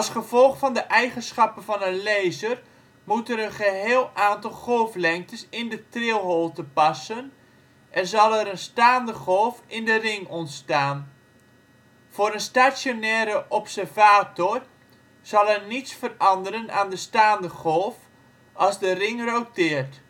gevolg van de eigenschappen van een laser moet er een geheel aantal golflengtes in de trilholte passen en zal er een staande golf in de ring ontstaan. Voor een stationaire observator zal er niets veranderen aan de staande golf als de ring roteert